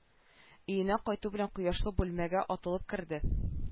Өенә кайту белән кояшлы бүлмәгә атылып керде